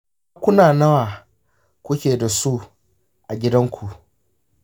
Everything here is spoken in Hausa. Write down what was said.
ɗakuna nawa kuke da su a gidanku?